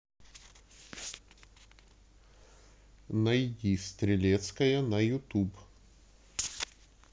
найди стрелецкая на ютуб